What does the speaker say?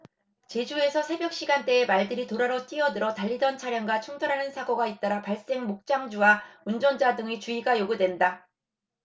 제주에서 새벽시간대에 말들이 도로로 뛰어들어 달리던 차량과 충돌하는 사고가 잇따라 발생 목장주와 운전자 등의 주의가 요구된다